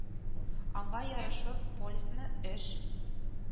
Аңа ярашлы, полисны эш